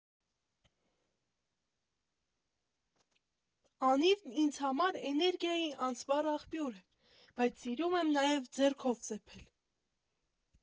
Անիվն ինձ համար էներգիայի անսպառ աղբյուր է, բայց սիրում եմ նաև ձեռքով ծեփել։